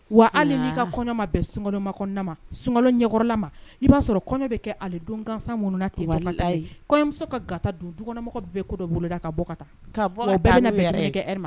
Wa hali n'i ka kɔɲɔma bɛ sunkalomakɔnɔna ma, sun kalo ,ɲɛkɔrɔla ma, i b'a sɔrɔ kɔɲɔ bɛ kɛ hali don gansan munnu na ten, kɔɲɔmuso ka gata don, dukɔnɔmɔgɔ bɛ ko dɔ bolo da ka bɔ ka taa, ka bɔ ka taa, wa u bɛɛ bɛna bɛn dumuni kɛ heure ma!